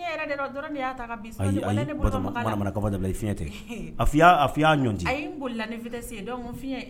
Fiɲɛ yɛrɛ de don o dɔrɔnw de y'a ta k'a bin , sinon wallahi, ne bolo ma maga a la, ayi, ayi, Batɔma, manaman kan fɔ dabila, a fɔ i 'a ɲɔnti, ayi n bolila viesse ye donc fiɲɛ